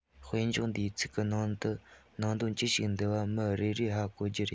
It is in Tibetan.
དཔེར འཇོག འདིའི ཚིག གི ནང དུ ནང དོན ཅི ཞིག འདུ བ མི རེ རེས ཧ གོ རྒྱུ རེད